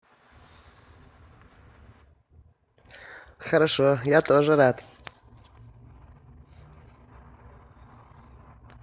хорошо я тоже рад